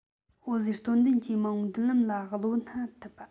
འོད ཟེར སྟོང ལྡན གྱི མ འོངས མདུན ལམ ལ བློ སྣ གཏད པ